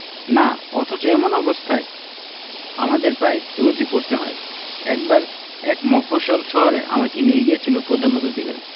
না অথচ এমন অবস্থায় অমিদের প্রায় রোজই পড়তে হয় একবার এক মফস্বল শহরে আমাকে নিয়ে গিয়েছিল প্রধান অতিথি করে